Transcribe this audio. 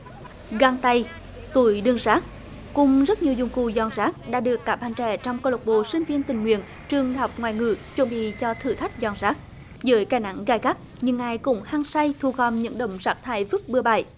găng tay túi đựng rác cùng rất nhiều dụng cụ dọn rác đã được các bạn trẻ trong câu lạc bộ sinh viên tình nguyện trường học ngoại ngữ chuẩn bị cho thử thách dọn rác dưới cái nắng gay gắt nhưng ai cũng hăng say thu gom những đống rác thải vứt bừa bãi